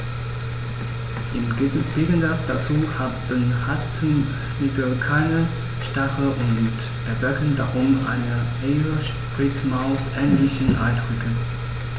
Im Gegensatz dazu haben Rattenigel keine Stacheln und erwecken darum einen eher Spitzmaus-ähnlichen Eindruck.